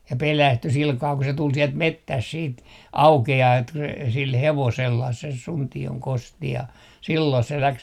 ja pelästyi sillä kalella kun se tuli sieltä metsästä sitten aukeaa että kun se sillä hevosella se Suntion Kosti ja silloin se lähti